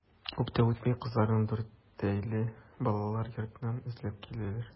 Күп тә үтми кызларны Дүртөйле балалар йортыннан эзләп киләләр.